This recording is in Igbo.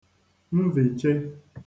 nviche